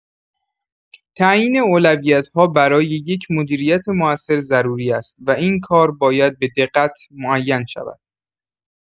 تعیین اولویت‌ها برای یک مدیریت موثر ضروری است و این کار باید به‌دقت معین شود.